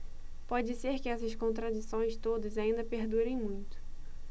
pode ser que estas contradições todas ainda perdurem muito